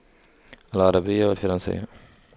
العربية والفرنسية